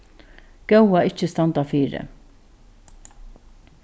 góða ikki standa fyri